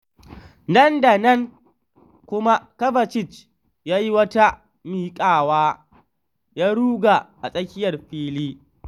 Nan da nan kuma Kovacic ya yi wata miƙawa ya ruga a tsakiyar filin.